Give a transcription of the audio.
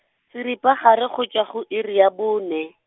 seripagare go tšwa go iri ya bone.